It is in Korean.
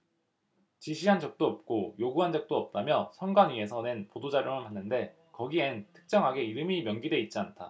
지시한 적도 없고 요구한 적도 없다며 선관위에서 낸 보도자료만 봤는데 거기엔 특정하게 이름이 명기돼 있지 않다